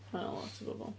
Ma' hynna'n lot o bobl.